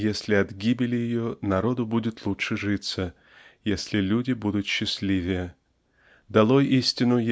если от гибели ее народу будет лучше житься если люди будут счастливее долой истину